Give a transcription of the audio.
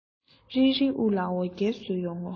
རིལ རིལ དབུ ལ འོ རྒྱལ བཟོས ཡོང ངོ